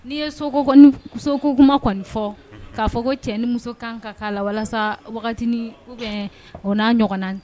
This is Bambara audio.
Ni ye so ko kuma kɔni fɔ. Ka fɔ ko cɛ ni muso kan ka kala walasa wagati oubien o na ɲɔgɔn na ni